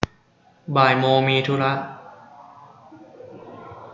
บ่ายโมงมีธุระ